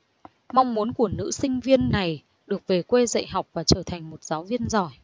mong muốn của nữ sinh viên này được về quê dạy học và trở thành một giáo viên giỏi